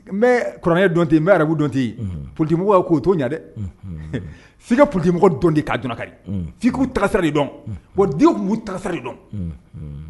N bɛ kuranɛ dɔn, arabu dɔn politique mɔgɔw ka ko o to ɲɛ dɛ f'i ka politique mɔgɔ dɔn ka dɔnlakari, f'i k'u taga sira de dɔn, unhun, bon Dicko tun b'u taga sirade dɔn